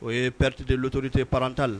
O ye perte de l'autorité parentale